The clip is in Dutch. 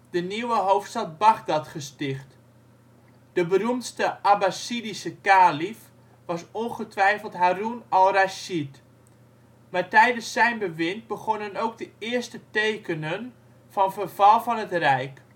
de nieuwe hoofdstad Bagdad gesticht. De beroemdste Abassidische kalief was ongetwijfeld Haroen al-Rashid. Maar tijdens zijn bewind begonnen ook de eerste tekenenen van verval van het rijk